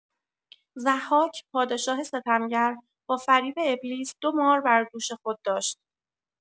ضحاک، پادشاه ستمگر، با فریب ابلیس، دو مار بر دوش خود داشت.